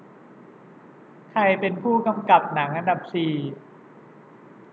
ใครเป็นผู้กำกับหนังอันดับสี่